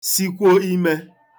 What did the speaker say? sikwo imē